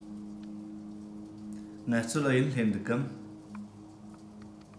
ངལ རྩོལ ཨུ ཡོན སླེབས འདུག གམ